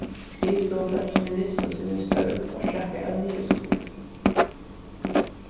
skrivstovufólkini mistu síni størv orsakað av niðurskurði